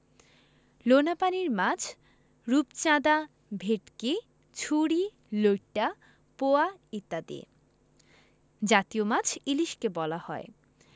লোনাপানির মাছ রূপচাঁদা ভেটকি ছুরি লইট্ট পোয়া ইত্যাদি জতীয় মাছ ইলিশকে বলা হয়